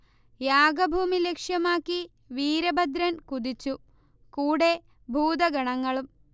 യാഗഭൂമി ലക്ഷ്യമാക്കി വീരഭദ്രൻ കുതിച്ചു കൂടെ ഭൂതഗണങ്ങളും